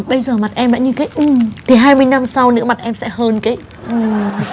bây giờ mặt em đã như cái ừm thì hai mươi năm sau mặt em sẽ hơn cái ừm